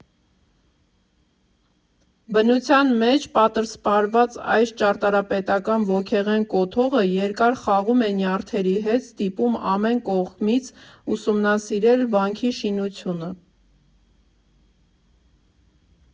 Բնության մեջ պատսպարված այս ճարտարապետական ոգեղեն կոթողը երկար խաղում է նյարդերի հետ, ստիպում ամեն կողմից ուսումնասիրել վանքի շինությունը։